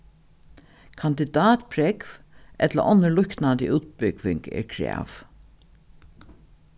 kandidatprógv ella onnur líknandi útbúgving er krav